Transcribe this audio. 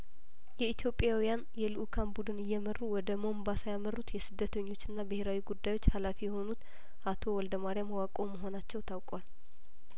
የኢትዮጵያውያን የልኡካን ቡድን እየመሩ ወደ ሞምባሳ ያመሩት የስደተኞችና ብሄራዊ ጉዳዮች ሀላፊ የሆኑት አቶ ወልደ ማርያም ዋቆ መሆናቸው ታውቋል